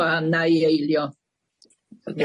Wel na'i eilio.